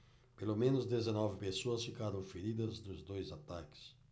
pelo menos dezenove pessoas ficaram feridas nos dois ataques